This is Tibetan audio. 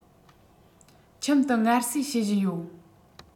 ཁྱིམ དུ ངལ གསོས བྱེད བཞིན ཡོད